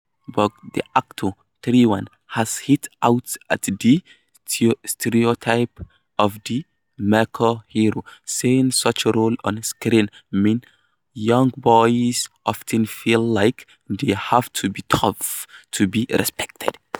But the actor, 31, has hit out at the stereotype of the macho hero, saying such roles on screen mean young boys often feel like they have to be tough to be respected.